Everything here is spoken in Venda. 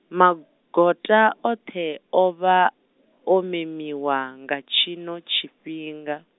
magota oṱhe o vha, o memiwa nga tshino tshifhinga.